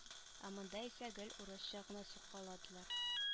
Ә монда исә гел урысча гына сукаладылар